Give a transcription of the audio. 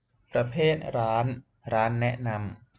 ประเภทร้านร้านแนะนำ